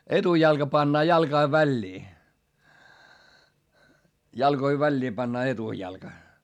etujalka pannaan jalkojen väliin jalkojen väliin pannaan etujalka